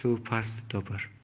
suv pastni topar